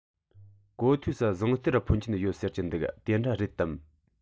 གོ ཐོས སུ ཟངས གཏེར འཕོན ཆེན ཡོད ཟེར གྱི འདུག དེ འདྲ རེད དམ